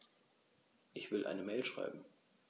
Ich will eine Mail schreiben.